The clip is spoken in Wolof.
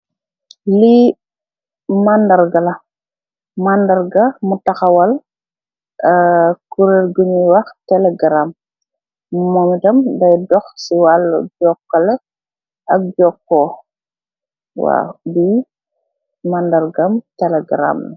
Li mandarga la mandarga bu taxawal arr curee gunyui wah telegram momm tam deey doh si walum jokale ak joko waw bi mandargaam telegram la.